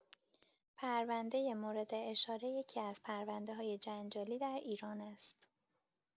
پرونده مورد اشاره، یکی‌از پرونده‌‌های جنجالی در ایران است.